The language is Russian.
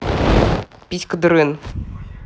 писька дрын